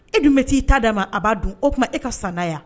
E dun bɛ t'i ta d'a ma a b'a don o tuma ma e ka san yan